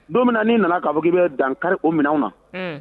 Don' nana kaugu bɛ dan kari o minɛ na